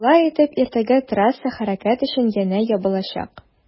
Шулай итеп иртәгә трасса хәрәкәт өчен янә ябылачак.